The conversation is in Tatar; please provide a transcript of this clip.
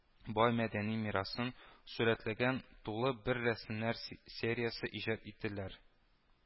Бай мәдәни мирасын сурәтләгән тулы бер рәсемнәр сериясе иҗат иттеләр